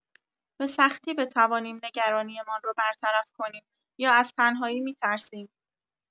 به‌سختی بتوانیم نگرانی‌مان را برطرف کنیم یا از تنهایی می‌ترسیم.